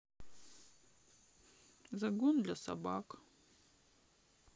загон для собак